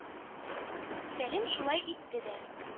Сәлим шулай итте дә.